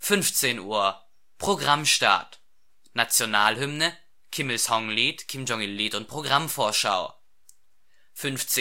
Ensemble) 15:00 Programmstart (Nationalhymne, Kim-Il-sung-Lied, Kim-Jong-il-Lied und Programmvorschau) 15:10 Film